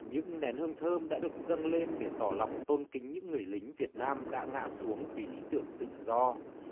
những nén hương thơm đã được dâng lên để tỏ lòng tôn kính những người lính việt nam đã ngã xuống vì lý tưởng tự do